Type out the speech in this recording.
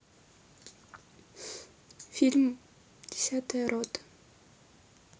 фильм десятая рота